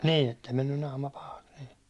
niin että ei mennyt naama pahaksi niin